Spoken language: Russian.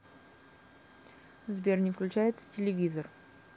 сбер не включается телевизор